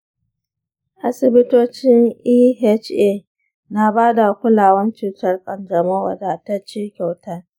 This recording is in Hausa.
asibitocin eha na bada kulawan cutar ƙanjamau wadatacce kyauta.